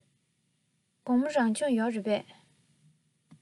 དགོང མོ རང སྦྱོང ཡོད རེད པས